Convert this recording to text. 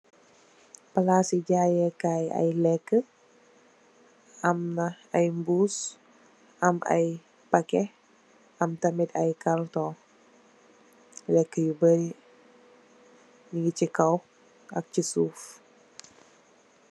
Palaasi jayèh Kai ay lekka am na ya mbuus am ay pakeh am tamit ay karton. Lekka yu barri mugii ci kaw ak ci suuf.